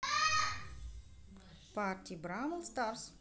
party бравл старс